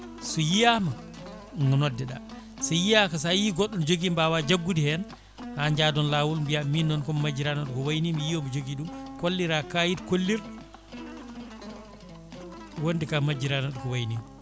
so yiiyama noddeɗa so yiiyaka sa yii goɗɗo ne joogui mbawa jagude hen ha jaadon lawol mbiya min noon komi majjiranoɗo ko wayi ni mi yii omo jogui ɗum kollira kayit kollirɗo wonde ka majjiranoɗo ko waayi ni